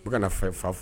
U kana fɛ fa fo